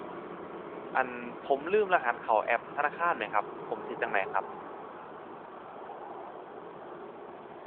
อั่น ผมลืมรหัสเข้าแอปธนาคารแหมครับ ผมสิเฮ็ดจั่งใดครับ